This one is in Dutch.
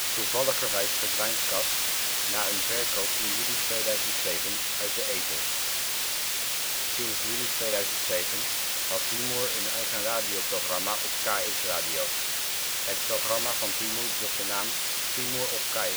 Toevalligerwijs verdwijnt Caz! na een verkoop in juli 2007 uit de ether. Sinds juni 2007 had Timur een eigen radioprogramma op KXradio. Het programma van Timur droeg de naam ' Timur